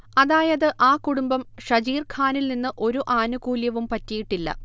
അതായത് ആ കുടുംബം ഷജീർഖാനിൽ നിന്ന് ഒരു ആനുകൂല്യവും പറ്റിയിട്ടില്ല